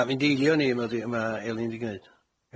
Na mynd i eilio o'n i ond ma' ddi- ma' Elin 'di gneud.